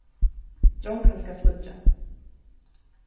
drongurin skal flýggja